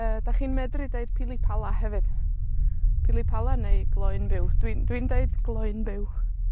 Yy, 'dach chi'n medru deud pili palla hefyd. Pili palla neu gloyn byw. Dwi'n, dwi'n deud gloyn byw.